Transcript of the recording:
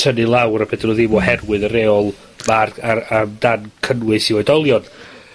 tynnu lawr a be' 'dyn nw ddim oherwydd y reol 'ma'r ar amdan cynnwys i'w oedolion.